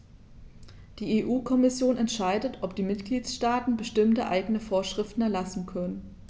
Die EU-Kommission entscheidet, ob die Mitgliedstaaten bestimmte eigene Vorschriften erlassen können.